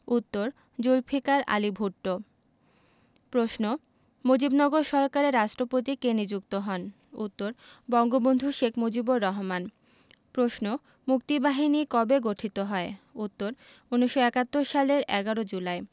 উত্তরঃ জুলফিকার আলী ভুট্ট প্রশ্ন মুজিবনগর সরকারের রাষ্ট্রপতি কে নিযুক্ত হন উত্তর বঙ্গবন্ধু শেখ মুজিবুর রহমান প্রশ্ন মুক্তিবাহিনী কবে গঠিত হয় উত্তর ১৯৭১ সালের ১১ জুলাই